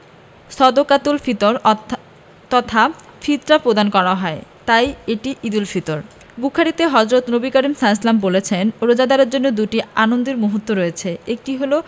সদকাতুল ফিতর তথা ফিতরা প্রদান করা হয় তাই এটি ঈদুল ফিতর বুখারিতে হজরত নবী করিম সা বলেছেন রোজাদারের জন্য দুটি আনন্দের মুহূর্ত রয়েছে একটি হলো